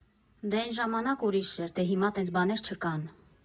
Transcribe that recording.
Դե էն ժամանակ ուրիշ էր, դե հիմա տենց բաներ չկան…